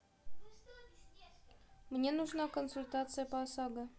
мне нужна консультация по осаго